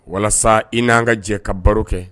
Walasa i n'an ka jɛ ka baro kɛ